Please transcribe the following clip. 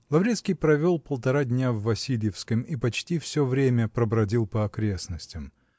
Лаврецкий провел полтора дня в Васильевском и почти все время пробродил по окрестностям.